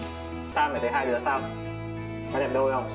sao mẹ thấy hai đứa sao có đẹp đôi không